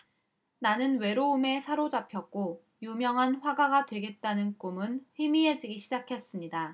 나는 외로움에 사로잡혔고 유명한 화가가 되겠다는 꿈은 희미해지기 시작했습니다